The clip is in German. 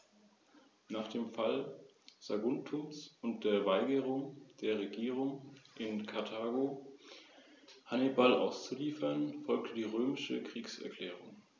Langfristig sollen wieder jene Zustände erreicht werden, wie sie vor dem Eintreffen des Menschen vor rund 5000 Jahren überall geherrscht haben.